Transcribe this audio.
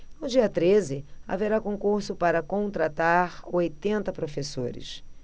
no dia treze haverá concurso para contratar oitenta professores